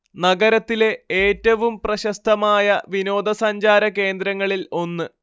നഗരത്തിലെ ഏറ്റവും പ്രശസ്തമായ വിനോദസഞ്ചാര കേന്ദ്രങ്ങളിൽ ഒന്ന്